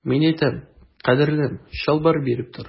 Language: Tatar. Мин әйтәм, кадерлем, чалбар биреп тор.